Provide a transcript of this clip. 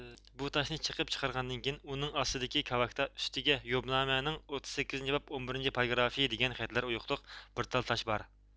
بۇ تاشنى چېقىپ چىقارغاندىن كېيىن ئۇنىڭ ئاستىدىكى كاۋاكتا ئۈستىگە يوبنامە نىڭ ئوتتۇز سەككىزىنچى باب ئون بىرىنچى پاراگرافى دېگەن خەتلەر ئويۇقلۇق بىر تال تاش بار